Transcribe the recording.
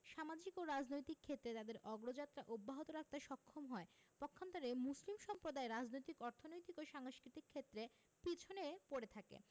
সামাজিক ও রাজনৈতিক ক্ষেত্রে তাদের অগ্রযাত্রা অব্যাহত রাখতে সক্ষম হয় পক্ষান্তরে মুসলিম সম্প্রদায় রাজনৈতিক অর্থনৈতিক ও সাংস্কৃতিক ক্ষেত্রে পিছনে পড়ে থাকে